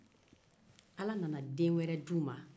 a la nana den wɛrɛ di u ma